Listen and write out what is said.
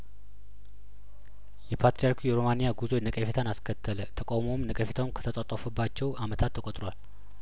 የፓትርያርኩ የሮማን ያጉዞ ነቀፌታን አስከተለተቃውሞውም ነቀፌታውም ከተጧጧፈባቸው አመታት ተቆጥረዋል